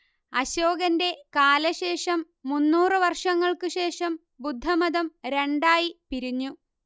അശോകന്റെ കാലശേഷം മുന്നൂറ് വർഷങ്ങൾക്ക് ശേഷം ബുദ്ധമതം രണ്ടായി പിരിഞ്ഞു